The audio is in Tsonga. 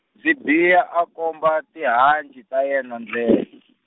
Sibiya a komba tihanci ta yena ndlel-.